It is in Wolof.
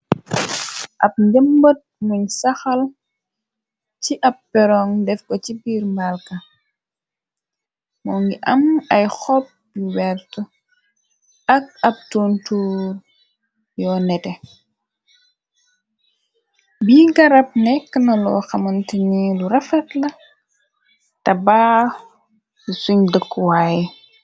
Ab ndëmbat muñ saxal ci ab peroŋg def ko ci biir mbalka moo ngi am ay xob yu werte ak ab tontuur yoo nete bi garab nekk na loo xamante ni lu rafet la te baa suñ dëkkuwaaye.